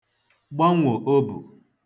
gbanwò obù